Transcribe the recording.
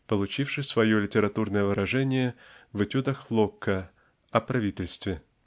получивший свое литературное выражение в этюдах Локка "О правительстве".